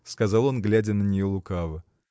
— сказал он, глядя на нее лукаво.